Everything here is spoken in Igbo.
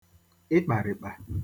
ịkpàrị̀kpà